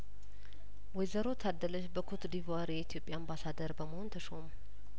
ወይዘሮ ታደለች በኮትዲቯር የኢትዮጵያ አምባሳደር በመሆን ተሾሙ